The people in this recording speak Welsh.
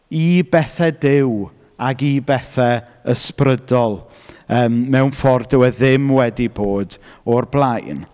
I bethau Duw ac i bethau ysbrydol yym mewn ffordd dyw e ddim wedi bod o'r blaen.